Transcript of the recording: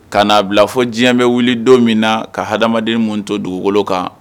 Ka n'a bila fɔ diɲɛ bɛ wuli don min na ka ha adamadamaden mun to dugukolo kan